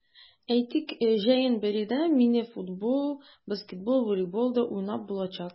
Әйтик, җәен биредә мини-футбол, баскетбол, волейбол да уйнап булачак.